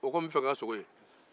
a ko n bɛ fe ka n ka sogo ye